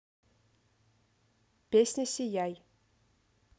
песня сияй